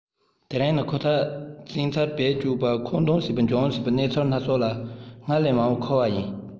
དེ རིང ནི ཁོ ཐག ཚན རྩལ བེད སྤྱོད པ མཁོ འདོན བྱས པའི འབྱུང སྲིད པའི གནས ཚུལ སྣ ཚོགས ལ སྔར ལས མང བའི མཁོ བ ཡིན